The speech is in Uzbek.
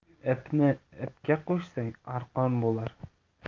ipni ipga qo'shsang arqon bo'lar